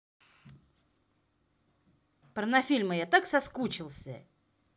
порнофильмы я так соскучился